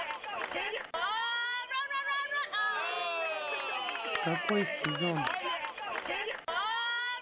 какой сезон